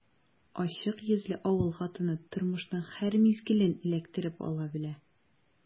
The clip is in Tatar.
Ачык йөзле авыл хатыны тормышның һәр мизгелен эләктереп ала белә.